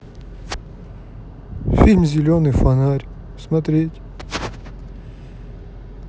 фильм зеленый фонарь смотреть